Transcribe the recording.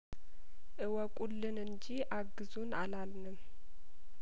እወቁልን እንጂ አግዙን አላልንም